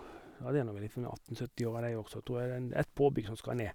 Ja, det er nå vel ifra atten søttiåra, de også, tror jeg, det er en ett påbygg som skal ned.